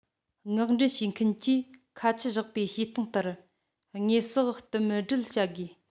མངགས འདྲེན བྱེད མཁན གྱིས ཁ ཆད བཞག པའི བྱེད སྟངས ལྟར དངོས ཟོག གཏུམ སྒྲིལ བྱ དགོས